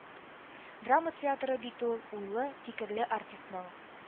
Драма театры бит ул – уйлы, фикерле артистның